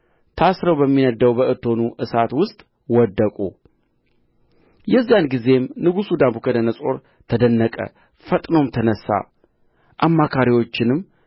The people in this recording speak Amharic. ታስረው በሚነድደው በእቶኑ እሳት ውስጥ ወደቁ የዚያን ጊዜም ንጉሡ ናቡከደነፆር ተደነቀ ፈጥኖም ተነሣ አማካሪዎቹንም